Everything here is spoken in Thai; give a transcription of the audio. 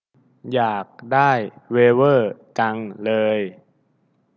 อยากได้เวเวอร์จังเลย